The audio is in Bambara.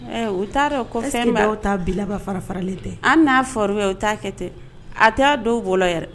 Ɛ u ta dɔn ko fɛn ba est ce que dɔw ta bi la fara faralen tɛ. ali na fɔra u ye u ta kɛ ten. A ta dɔw bolo yɛrɛ ƐƐ